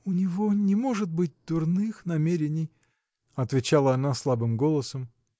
– У него не может быть дурных намерений. – отвечала она слабым голосом.